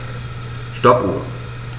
Stoppuhr.